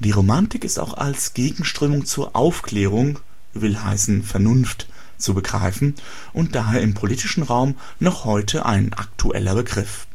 Romantik ist auch als Gegenströmung zur Aufklärung (Vernunft) zu begreifen und daher im politischen Raum noch heute ein aktueller Begriff